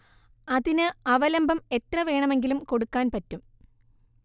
അതിന് അവലംബം എത്ര വേണമെങ്കിലും കൊടുക്കാൻ പറ്റും